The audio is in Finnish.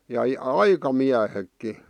ja aikamiehetkin